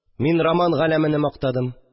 Мин роман галәмене мактадым